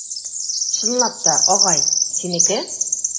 Чынлап та, агай, синеке?